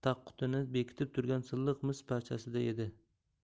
tagqutini bekitib turgan silliq mis parchasida edi